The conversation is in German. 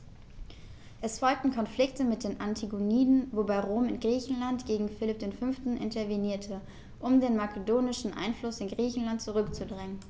Es folgten Konflikte mit den Antigoniden, wobei Rom in Griechenland gegen Philipp V. intervenierte, um den makedonischen Einfluss in Griechenland zurückzudrängen.